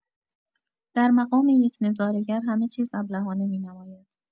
در مقام یک نظاره‌گر همه چیز ابلهانه می‌نماید!